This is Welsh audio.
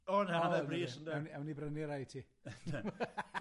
O na mewn brys yndyw e? Ewn ni ewn ni brynu rai i ti.